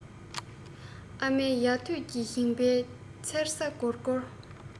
ཨ མའི ཡ ཐོད ཀྱིས བཞེངས པའི མཚེར ས སྒོར སྒོར